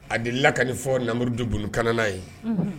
A de lakan nin fɔ namuruuru jɔ bok'a ye